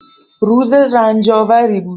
روز رنج‌آوری بود.